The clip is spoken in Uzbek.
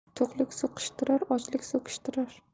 to'qlik so'qishtirar ochlik so'kishtirar